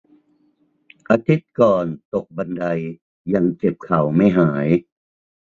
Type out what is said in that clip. อาทิตย์ก่อนตกบันไดยังเจ็บเข่าไม่หาย